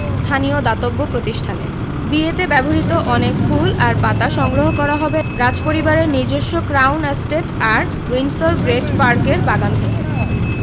স্থানীয় দাতব্য প্রতিষ্ঠানে বিয়েতে ব্যবহৃত অনেক ফুল আর পাতা সংগ্রহ করা হবে রাজপরিবারের নিজস্ব ক্রাউন এস্টেট আর উইন্ডসর গ্রেট পার্কের বাগান থেকে